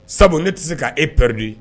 Sabu ne tɛ se k' e prurdi ye